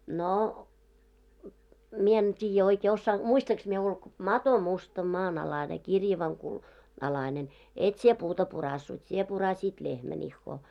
no minä en tiedä oikein - muistankos minä - mato musta maanalainen kirjavan - alainen et sinä puuta puraissut sinä puraisit lehmän ihoa